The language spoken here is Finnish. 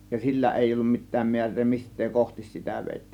ja sillä ei ollut mitään määrää mistä kohti sitä vedettiin